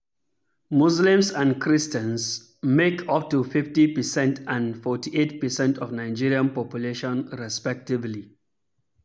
Muslims and Christians make up 50 percent and 48 percent of the Nigerian population respectively.